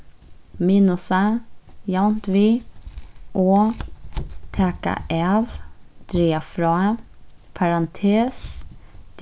minusa javnt við og taka av draga frá parantes